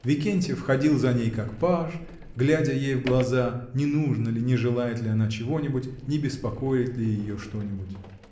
Викентьев ходил за ней, как паж, глядя ей в глаза, не нужно ли, не желает ли она чего-нибудь, не беспокоит ли ее что-нибудь?